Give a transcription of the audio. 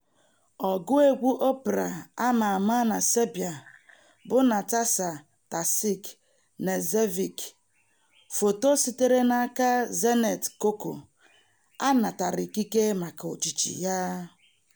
Ọgụ egwu opera a ma ama na Serbia bụ Nataša Tasić Knežević, foto sitere n'aka Dzenet Koko, a natara ikike maka ojiji ya.